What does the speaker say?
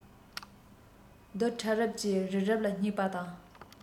རྡུལ ཕྲ རབ ཀྱིས རི རབ ལ བསྙེགས པ དང